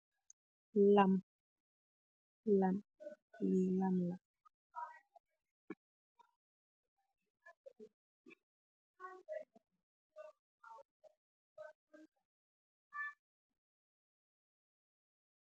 Lam bunj tekk ce lu weeah.